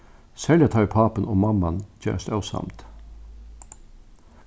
serliga tá ið pápin og mamman gerast ósamd